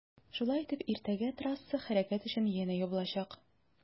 Шулай итеп иртәгә трасса хәрәкәт өчен янә ябылачак.